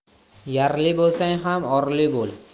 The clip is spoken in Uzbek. yarli bo'lsang ham orli bo'l